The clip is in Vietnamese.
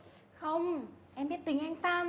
không em biết tính anh phan mà